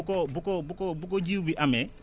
bu ko bu ko bu ko jiw bi amee